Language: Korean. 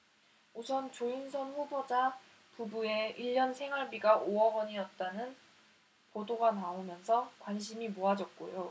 우선 조윤선 후보자 부부의 일 년 생활비가 오 억 원이었다는 보도가 나오면서 관심이 모아졌고요